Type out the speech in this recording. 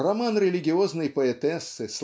Роман религиозной поэтессы